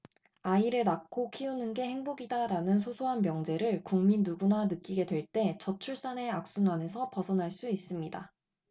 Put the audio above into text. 아이를 낳고 키우는 게 행복이다라는 소소한 명제를 국민 누구나 느끼게 될 때 저출산의 악순환에서 벗어날 수 있습니다